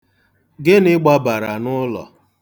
Gịnị gbabara n'ụlọ?